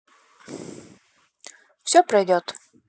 все пройдет